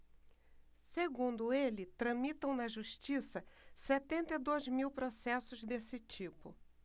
segundo ele tramitam na justiça setenta e dois mil processos desse tipo